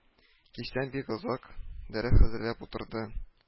— кичтән бик озак дәрес хәзерләп утырды